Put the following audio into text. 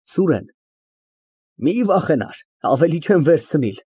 ՍՈՒՐԵՆ ֊ Մի վախենար, ավելի չեմ վերցնիլ։